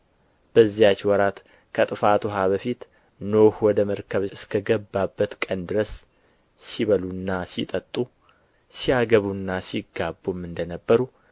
በዚያች ወራት ከጥፋት ውኃ በፊት ኖኅ ወደ መርከብ እስከገባበት ቀን ድረስ ሲበሉና ሲጠጡ ሲያገቡና ሲጋቡም እንደ ነበሩ